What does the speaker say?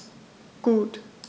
Gut.